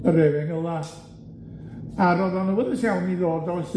yr efengyla' a ro'dd o'n awyddus iawn i ddod o